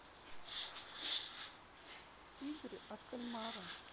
игры от кальмара